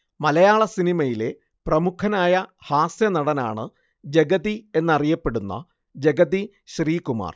മലയാള സിനിമയിലെ പ്രമുഖനായ ഹാസ്യനടനാണ് ജഗതി എന്നറിയപ്പെടുന്ന ജഗതി ശ്രീകുമാർ